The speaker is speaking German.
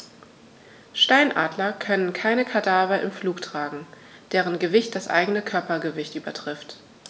Steinadler können keine Kadaver im Flug tragen, deren Gewicht das eigene Körpergewicht übertrifft.